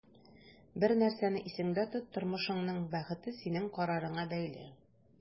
Бер нәрсәне исеңдә тот: тормышыңның бәхете синең карарыңа бәйле.